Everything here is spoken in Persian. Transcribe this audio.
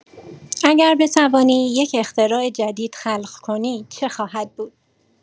اگر بتوانی یک اختراع جدید خلق کنی چه خواهد بود؟